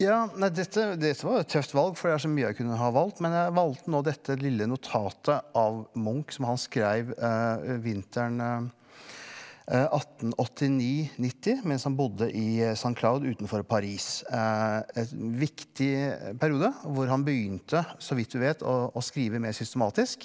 ja nei dette dette var et tøft valg for det er så mye jeg kunne ha valgt, men jeg valgte nå dette lille notatet av Munch som han skreiv vinteren 1889 90 mens han bodde i Saint-Cloud utenfor Paris et viktig periode hvor han begynte så vidt vi vet å skrive mer systematisk.